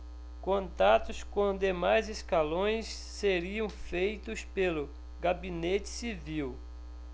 contatos com demais escalões seriam feitos pelo gabinete civil